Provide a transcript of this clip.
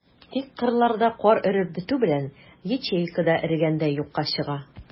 Тик кырларда кар эреп бетү белән, ячейка да эрегәндәй юкка чыга.